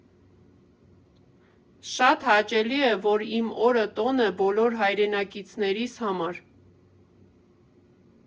Շատ հաճելի է, որ իմ օրը տոն է բոլոր հայրենակիցներիս համար։